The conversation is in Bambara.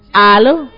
Allo